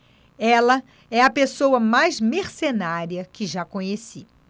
ela é a pessoa mais mercenária que já conheci